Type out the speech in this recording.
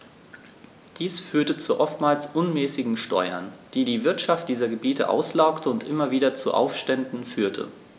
Dies führte zu oftmals unmäßigen Steuern, die die Wirtschaft dieser Gebiete auslaugte und immer wieder zu Aufständen führte.